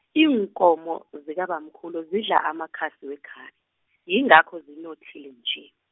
iinkomo, zikabamkhulu zidla amakhasi wekhabe, yingakho zinothile nje.